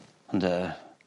Ond yy